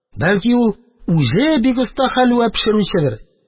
Бәлки, ул үзе бик оста хәлвә пешерүчедер.